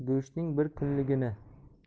ye go'shtning bir kunligini